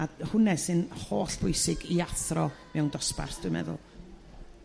A d- hwnne sy'n holl bwysig i athro mewn dosbarth dwi'n meddwl.